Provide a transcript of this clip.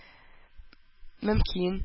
Мөмкин